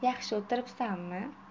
yaxshi o'tiribsanmi